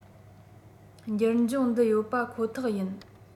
འགྱུར འབྱུང འདི ཡོད པ ཁོ ཐག ཡིན